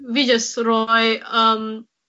fi jys rhoi yym